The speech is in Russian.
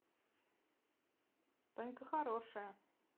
танька хорошая